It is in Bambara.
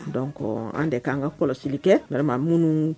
Donc an' de kaan ŋa kɔlɔsili kɛ vraiment munnuu